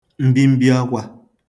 mbimbi akwā